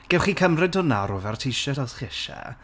Gewch chi cymryd hwna a rhoi fe ar t-shirt os chi isie.